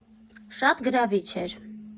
Շատ գրավիչ էր։